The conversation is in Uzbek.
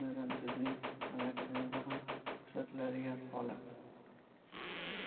jumladan bizning mamlakatimizda ham kuzatiladigan holat